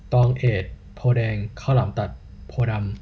ตองเอดโพธิ์แดงข้าวหลามตัดโพธิ์ดำ